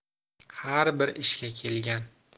har bir ishga kelgan